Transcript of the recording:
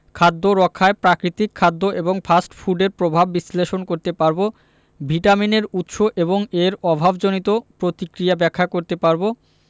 খাদ্য রক্ষায় প্রাকৃতিক খাদ্য এবং ফাস্ট ফুডের প্রভাব বিশ্লেষণ করতে পারব ভিটামিনের উৎস এবং এর অভাবজনিত প্রতিক্রিয়া ব্যাখ্যা করতে পারব